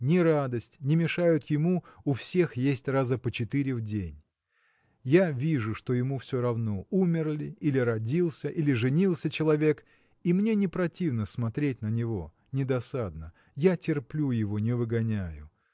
ни радость не мешают ему у всех есть раза по четыре в день. Я вижу, что ему все равно умер ли или родился или женился человек и мне не противно смотреть на него не досадно. я терплю его, не выгоняю.